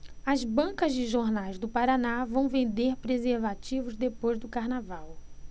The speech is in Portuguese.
as bancas de jornais do paraná vão vender preservativos depois do carnaval